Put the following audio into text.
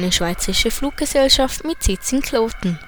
schweizerische Fluggesellschaft mit Sitz in Kloten